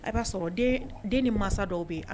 A b'a sɔrɔ den ni mansa dɔw bɛ